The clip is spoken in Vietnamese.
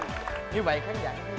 như vậy khán